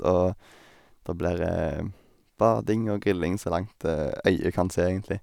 Og der blir bading og grilling så langt øyet kan se, egentlig.